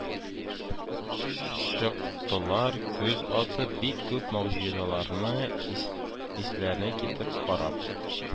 Чыктылар, күз атып, бик күп могҗизаларны исләре китеп карап